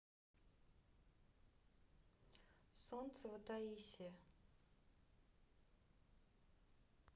солнцева таисия